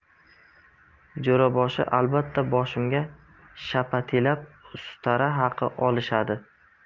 jo'raboshi albatta boshimga shapatilab ustara haqi olishadi